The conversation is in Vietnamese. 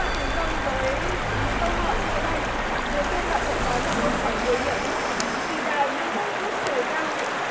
bạn thành công với những câu hỏi sau đây đầu tiên bạn sẽ có một câu hỏi mười điểm kỳ đài năm thước vút trời cao